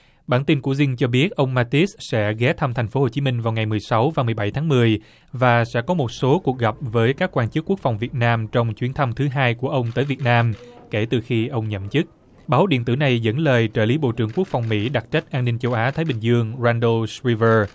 bản tin của dinh cho biết ông ma tít sẽ ghé thăm thành phố hồ chí minh vào ngày mười sáu và mười bảy tháng mười và sẽ có một số cuộc gặp với các quan chức quốc phòng việt nam trong chuyến thăm thứ hai của ông tới việt nam kể từ khi ông nhậm chức báo điện tử này dẫn lời trợ lý bộ trưởng quốc phòng mỹ đặc trách an ninh châu á thái bình dương ran đô sờ chi vơ